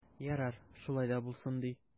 Ярар, шулай да булсын ди.